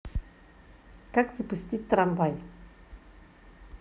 как запустить трамвай